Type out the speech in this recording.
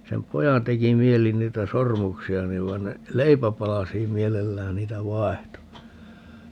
sen pojan teki mieli niitä sormuksia niin vaan ne leipäpalasiin mielellään niitä vaihtoi